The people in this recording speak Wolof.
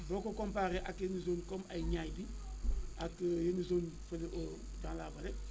boo ko comparé ak yeneen zone comme ay Niayes gi ak yenn zone yi comme dans la Vallée